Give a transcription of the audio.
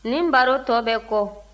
nin baro tɔ bɛ kɔ